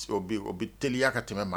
O bɛ teliya ka tɛmɛ ma